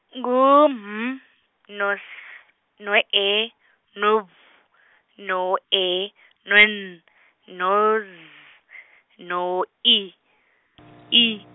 ngu M, no S, no E, no B , no E, no N, no Z, no I, I.